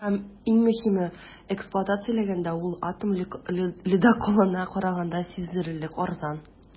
Һәм, иң мөһиме, эксплуатацияләгәндә ул атом ледоколына караганда сизелерлек арзан.